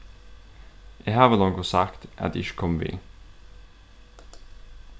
eg havi longu sagt at eg ikki komi við